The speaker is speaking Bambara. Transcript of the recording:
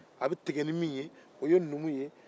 a bɛ tigɛ ni min ye o ye numu ye